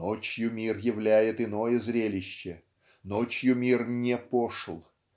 Ночью мир являет иное зрелище. Ночью мир не пошл.